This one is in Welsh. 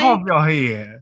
Cofio hi?